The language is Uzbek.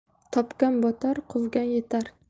topgan botar quvgan yetar